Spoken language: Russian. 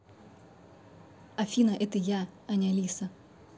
афина это я а не алиса